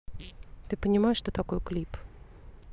ты понимаешь что такое клип